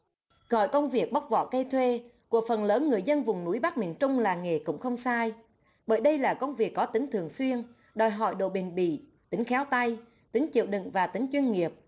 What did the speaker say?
gọi công việc bóc vỏ cây thuê của phần lớn người dân vùng núi bắc miền trung là nghề cũng không sai bởi đây là công việc có tính thường xuyên đòi hỏi độ bền bỉ tính khéo tay tính chịu đựng và tính chuyên nghiệp